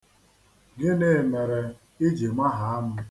Gịnị mere i ji mahaa m?